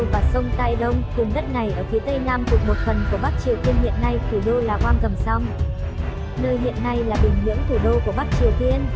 giữa nước liêu và sông taedong vùng đất này ở phía tây nam thuộc một phần của bắc triều tiên hiện nay thủ đô là wanggomsong nơi hiện nay là bình nhưỡng thủ đô của bắc triều tiên